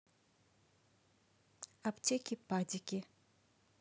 аптеки падики